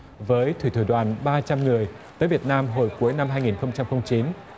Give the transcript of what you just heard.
với thủy thủ đoàn ba trăm người tới việt nam hồi cuối năm hai nghìn không trăm không chín